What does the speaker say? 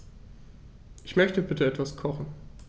Ich möchte bitte etwas kochen.